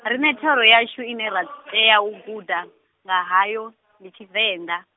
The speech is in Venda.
riṋe thero yashu ine ra tea u guda, nga hayo, ndi Tshivenḓa.